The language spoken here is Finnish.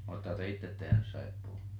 oletteko te itse tehnyt saippuaa